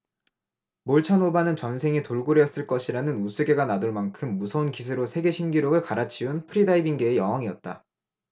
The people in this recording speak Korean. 몰차노바는 전생이 돌고래였을 것이라는 우스개가 나돌만큼 무서운 기세로 세계신기록을 갈아치운 프리다이빙계의 여왕이었다